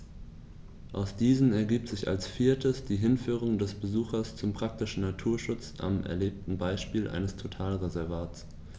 Aus diesen ergibt sich als viertes die Hinführung des Besuchers zum praktischen Naturschutz am erlebten Beispiel eines Totalreservats.